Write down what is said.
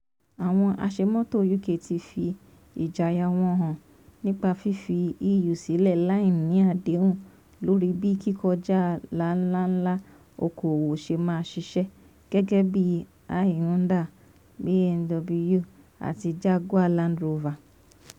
Àwọn aṣemọ́tò UK tí fi ìjayà wọn hàn nípa fífi EU sílẹ̀ láìní àdéhùn lórí bí kíkọjá láàlà òkòwò ṣe máa ṣiṣẹ́, gẹ́gẹ́bí i Honda, BMW àti Jaguar Land Rover.